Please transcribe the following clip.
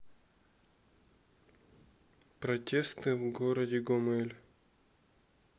протесты в городе гомель